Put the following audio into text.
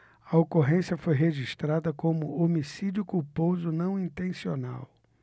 a ocorrência foi registrada como homicídio culposo não intencional